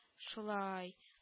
Шулай